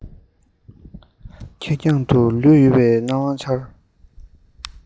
ཁེར རྐྱང དུ ལུས ཡོད པའི སྣང བ འཆར